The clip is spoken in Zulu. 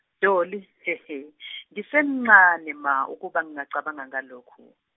Dolly he he ngisemncane ma ukuba ngingacabanga ngalokho.